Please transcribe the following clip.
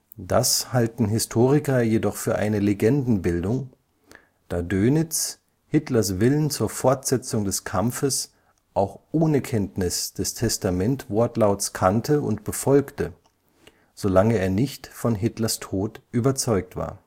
Das halten Historiker jedoch für eine Legendenbildung, da Dönitz Hitlers Willen zur Fortsetzung des Kampfes auch ohne Kenntnis des Testamentwortlauts kannte und befolgte, solange er nicht von Hitlers Tod überzeugt war